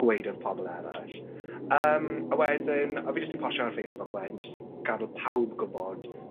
gweud wrth pobol eryll. Yym wedyn... O' fi jyst 'di postio arno Facebook wedyn jys i gadl pawb gwbod